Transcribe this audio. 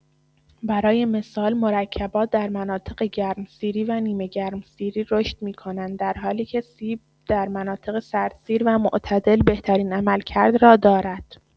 برای مثال مرکبات در مناطق گرمسیری و نیمه‌گرمسیری رشد می‌کنند، در حالی که سیب در مناطق سردسیر و معتدل بهترین عملکرد را دارد.